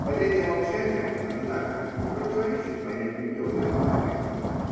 Понятие молчания, однако, не противоречит понятию теплой компании.